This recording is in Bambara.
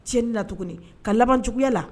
Cɛnɲɛnni na tuguni ka laban juguyaya la